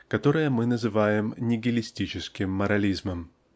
которое мы называем нигилистическим морализмом.